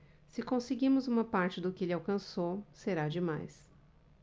se conseguirmos uma parte do que ele alcançou será demais